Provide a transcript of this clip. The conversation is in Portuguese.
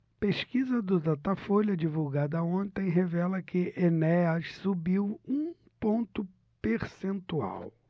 pesquisa do datafolha divulgada ontem revela que enéas subiu um ponto percentual